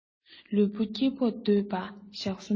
ལུས པོ སྐྱིད པོར སྡོད པ ཞག གསུམ དང